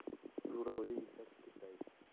журавли летят в китай